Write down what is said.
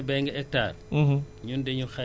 am na loo xam ne lu mënul ñàkk la